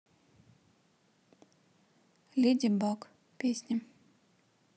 леди баг песни